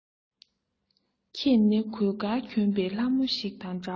ཁྱེད ནི གོས དཀར གྱོན པའི ལྷ མོ ཞིག དང འདྲ བར